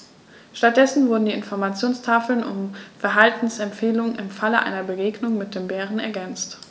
Stattdessen wurden die Informationstafeln um Verhaltensempfehlungen im Falle einer Begegnung mit dem Bären ergänzt.